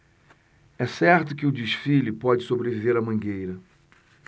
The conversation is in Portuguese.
é certo que o desfile pode sobreviver à mangueira